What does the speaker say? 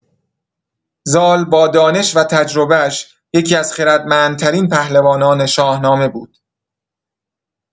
زال با دانش و تجربه‌اش یکی‌از خردمندترین پهلوانان شاهنامه بود.